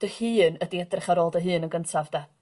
dy hun ydi edrych ar ôl dy hun yn gyntaf 'de?